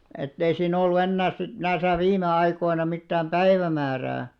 että ei siinä ollut enää sitten näissä viime aikoina mitään päivämäärää